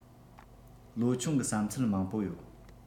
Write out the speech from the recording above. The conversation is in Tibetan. ལོ ཆུང གི བསམ ཚུལ མང པོ ཡོད